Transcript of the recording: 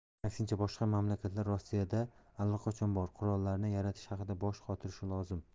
aksincha boshqa mamlakatlar rossiyada allaqachon bor qurollarni yaratish haqida bosh qotirishi lozim